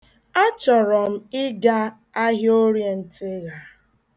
Achọrọ m ịga ahịa Orie Ntịgha.